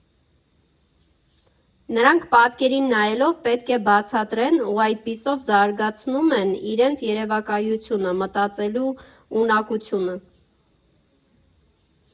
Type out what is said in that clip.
Նրանք պատկերին նայելով պետք է բացատրեն ու այդպիսով զարգացնում են իրենց երևակայությունը, մտածելու ունակությունը։